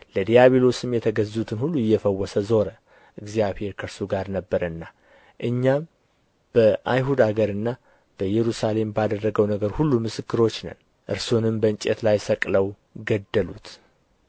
ለዲያብሎስም የተገዙትን ሁሉ እየፈወሰ ዞረ እግዚአብሔር ከእርሱ ጋር ነበረና እኛም በአይሁድ አገርና በኢየሩሳሌም ባደረገው ነገር ሁሉ ምስክሮች ነን እርሱንም በእንጨት ላይ ሰቅለው ገደሉት